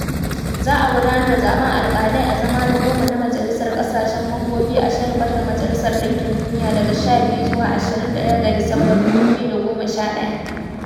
Za a gudanar da zaɓen alƙalai a zama na goma na Majalisar Ƙasashe Mambobi a shelikwatar Majalisar Ɗinkin Duniya daga 12 zuwa 21 ga Disamba, 2011.